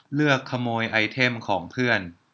เลือกขโมยไอเทมของเพื่อน